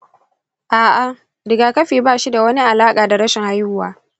a'a, rigakafi ba shi da wani alaƙa da rashin haihuwa.